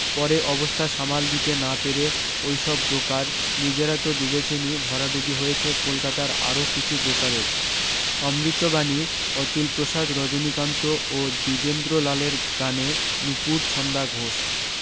পরে অবস্থা সামাল দিতে না পেরে ওই সব ব্রোকার নিজেরা তো ডুবেছেনি ভরাডুবি হয়েছে কলকাতার আরও কিছু ব্রোকারের অমৃতবাণী অতুলপ্রসাদ রজনীকান্ত ও দ্বিজেন্দ্রলালের গানে নূপুর ছন্দা ঘোষ